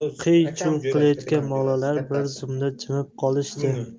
qiy chuv qilayotgan bolalar bir zumda jimib qolishdi